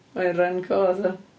Ai ren co ta?